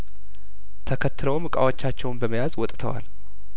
ተከትለውም እቃዎቻቸውን በመያዝ ወጥተዋል